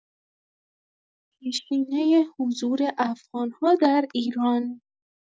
پیشینه حضور افغان‌ها در ایران